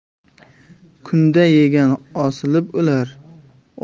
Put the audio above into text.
kunda yegan osilib o'lar